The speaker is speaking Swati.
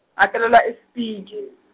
ngatalelwa eSpiki.